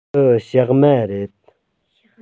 འདི ཕྱགས མ རེད